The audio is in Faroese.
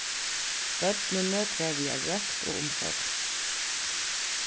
børnini krevja røkt og umsorgan